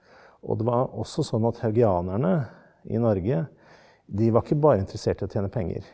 og det var også sånn at haugianerne i Norge de var ikke bare interessert i å tjene penger.